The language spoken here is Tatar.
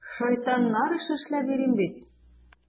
Шайтаннар эше эшләп йөрим бит!